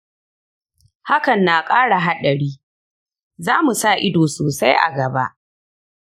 hakan na ƙara haɗari; za mu sa ido sosai a gaba.